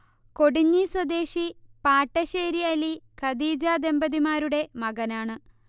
കൊടിഞ്ഞി സ്വദേശി പാട്ടശ്ശേരി അലി -ഖദീജ ദമ്പതിമാരുടെ മകനാണ്